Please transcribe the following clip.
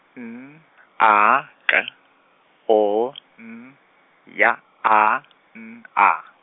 N A K O N Y A N A.